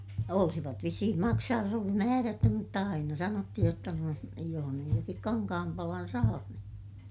olisivat vissiin maksanut jos olisi määrätty mutta aina sanottiin jotta noin jos nyt jonkin kankaanpalan saa niin